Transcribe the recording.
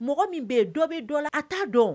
Mɔgɔ min be ye dɔ be dɔ la a t'a dɔn o